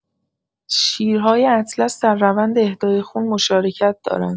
شیرهای اطلس در روند اهدای خون مشارکت دارند.